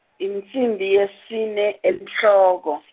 insimbi yesine enhloko.